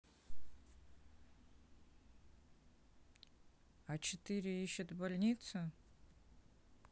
а четыре ищет больница